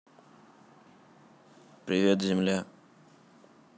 привет земля